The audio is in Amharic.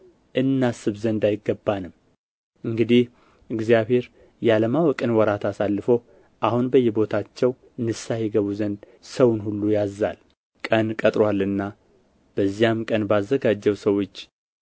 እናስብ ዘንድ አይገባንም እንግዲህ እግዚአብሔር ያለማወቅን ወራት አሳልፎ አሁን በየቦታቸው ንስሐ ይገቡ ዘንድ ሰውን ሁሉ ያዛል ቀን ቀጥሮአልና በዚያም ቀን ባዘጋጀው ሰው እጅ